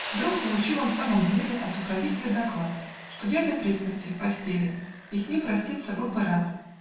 Вдруг получил он в самом деле От управителя доклад, Что дядя при смерти в постеле И с ним проститься был бы рад.